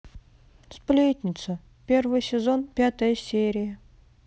сплетница первый сезон пятая серия